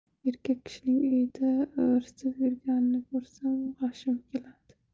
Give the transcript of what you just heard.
erkak kishining uyda ivirsib yurganini ko'rsam g'ashim keladi